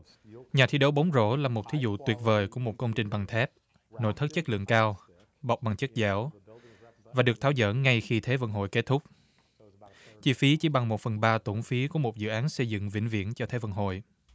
nhà thi đấu bóng rổ là một thí dụ tuyệt vời của một công trình bằng thép nội thất chất lượng cao bọc bằng chất dẻo và được tháo dỡ ngay khi thế vận hội kết thúc chi phí chỉ bằng một phần ba tốn phí của một dự án xây dựng vĩnh viễn cho thế vận hội